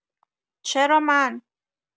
چرا من؟